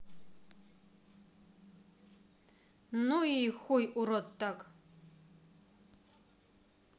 ну и хуй урод так